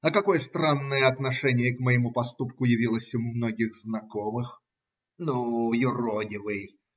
А какое странное отношение к моему поступку явилось у многих знакомых! "Ну, юродивый!